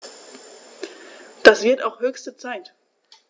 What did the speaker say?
Das wird auch höchste Zeit!